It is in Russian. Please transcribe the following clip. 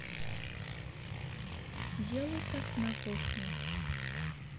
делай так на кухне